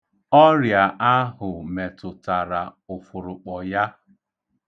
Ọrịa ahụ metụtara ụfụrụkpọ ya.